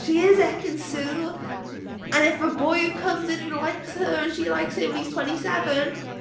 She is Ekin-Su and if a boy comes in who likes her and she likes him and he's twenty-seven...